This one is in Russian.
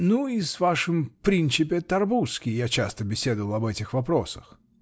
Ну и с вашим принчипе Тарбуски я часто беседовал об этих вопросах.